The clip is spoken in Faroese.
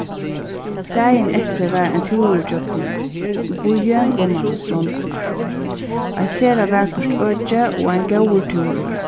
dagin eftir var ein túrur gjøgnum býin oman á strondina eitt sera vakurt øki og ein góður túrur